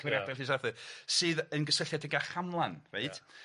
cymeriade llys Arthur sydd yn gysylltiedig â Chamlan, reit? Ia.